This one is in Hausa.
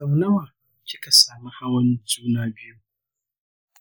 sau nawa kika sami hawan juna biyu?